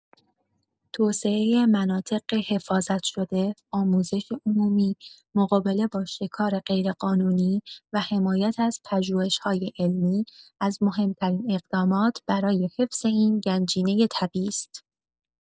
توسعه مناطق حفاظت‌شده، آموزش عمومی، مقابله با شکار غیرقانونی و حمایت از پژوهش‌‌های علمی، از مهم‌ترین اقدامات برای حفظ این گنجینه طبیعی است.